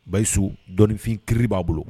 Bayisu dɔnifin kiiriri b'a bolo